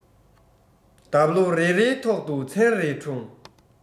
འདབ ལོ རེ རེའི ཐོག ཏུ མཚན རེ འཁྲུངས